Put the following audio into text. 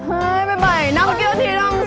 hai mươi bảy năm kia thì